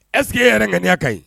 Ɛsseke ye yɛrɛ kaya kan ɲi